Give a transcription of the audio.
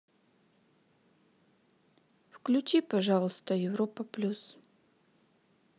включи пожалуйста европа плюс